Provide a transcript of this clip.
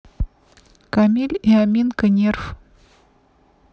камиль и аминка нерф